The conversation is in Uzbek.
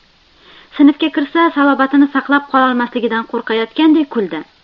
sinfga kirsa salobatini saqlab qololmasligidan qo'rqayotganday kuldi